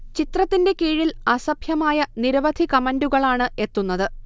ചിത്രത്തിന്റെ കീഴിൽ അസഭ്യമായ നിരവധി കമന്റുകളാണ് എ്ത്തുന്നത്